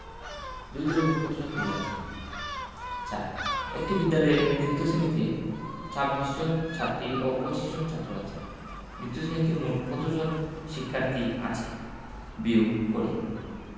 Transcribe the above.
দুই দলে মোট কতজন খেলোয়াড় আছেন ৪ একটি বিদ্যালয়ের দ্বিতীয় শ্রেণিতে ২৬ জন ছাত্রী ও ২৫ জন ছাত্র আছে দ্বিতীয় শ্রেণিতে মোট কত জন শিক্ষার্থী আছে বিয়োগ করিঃ